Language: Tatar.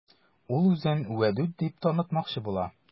Ул үзен Вәдүт дип танытмакчы була.